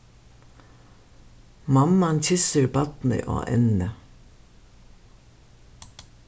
mamman kyssir barnið á ennið